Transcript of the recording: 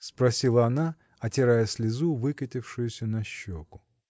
– спросила она, отирая слезу, выкатившуюся на щеку.